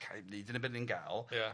caem ni dyna be 'dan ni'n ga'l... Ia.